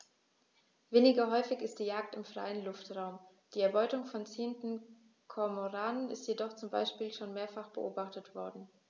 Weniger häufig ist die Jagd im freien Luftraum; die Erbeutung von ziehenden Kormoranen ist jedoch zum Beispiel schon mehrfach beobachtet worden.